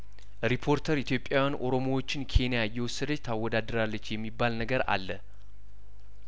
ሪፖርተር ኢትዮጵያውያን ኦሮሞዎችን ኬንያ እየወሰደች ታወዳድራለች የሚባል ነገር አለ